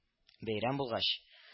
Бәйрәм булгач